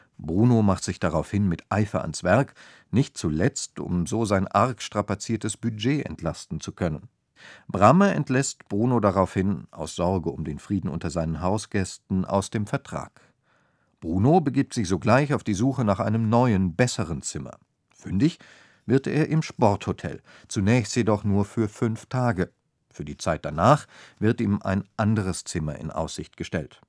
Bruno macht sich daraufhin mit Eifer ans Werk, nicht zuletzt, um so sein arg strapaziertes Budget entlasten zu können. Bramme entläßt Bruno daraufhin aus Sorge um den Frieden unter seinen Hausgästen aus dem Vertrag. Bruno begibt sich sogleich auf die Suche nach einem neuen, besseren Zimmer. Fündig wird er im Sporthotel, zunächst jedoch nur für fünf Tage – für die Zeit danach wird ihm ein anderes Zimmer in Aussicht gestellt